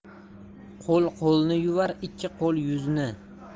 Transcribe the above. qo'l qo'lni yuvar ikki qo'l yuzni